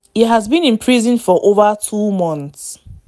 He has been in prison for over two months.